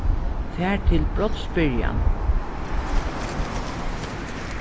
far til brotsbyrjan